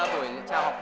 sau